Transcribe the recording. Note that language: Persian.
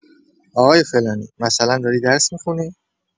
آقای فلانی، مثلا داری درس می‌خونی؟